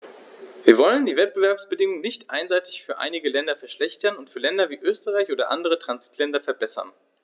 Wir wollen die Wettbewerbsbedingungen nicht einseitig für einige Länder verschlechtern und für Länder wie Österreich oder andere Transitländer verbessern.